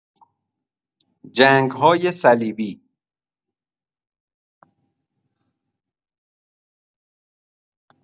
جنگ‌های صلیبی